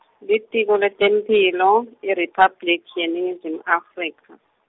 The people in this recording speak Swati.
Litiko leTemphilo IRiphabliki yeNingizimu Afrika.